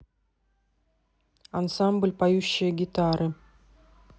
ансамбль поющие гитары